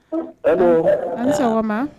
An sɔgɔma